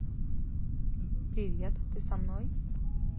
привет ты со мной